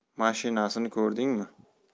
mashinasini ko'rdingmi